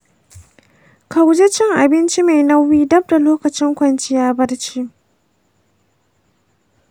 ka guji cin abinci mai nauyi dab da lokacin kwanciya barci.